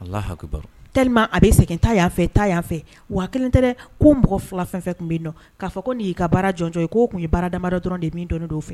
Allah akbar tellement que abɛ sɛgiɛn taa yan fɛ yen, fɛ taa yan fɛ yen , wa a kelen tɛ dɛ ko mɔgɔ 2 fɛn fɛn tun bɛ yen nɔn k'a fɔ ko nin y'i ka baarra jɔnjɔn ye k'o tun ye baara damabadɔ dɔrɔn de ye min dɔnnen don u fɛ.